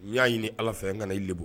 N y'a ɲini ala fɛ n ka na'bbɔ